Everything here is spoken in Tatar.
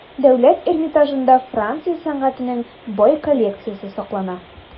Дәүләт Эрмитажында Франция сәнгатенең бай коллекциясе саклана.